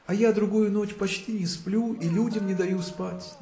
А я другую ночь почти не сплю и людям не даю спать